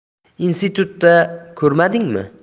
institutda ko'rmadingmi